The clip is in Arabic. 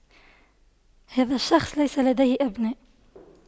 هذا الشخص ليس لديه أبناء